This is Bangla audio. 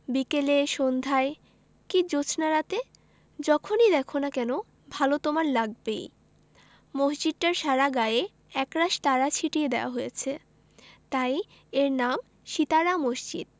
বিকেলে সন্ধায় কি জ্যোৎস্নারাতে যখনি দ্যাখো না কেন ভালো তোমার লাগবেই মসজিদটার সারা গায়ে একরাশ তারা ছিটিয়ে দেয়া হয়েছে তাই এর নাম সিতারা মসজিদ